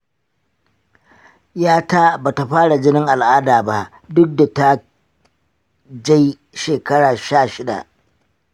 ya ta bata fara jinin al'ada ba duk da ta kjai shekara sha shida.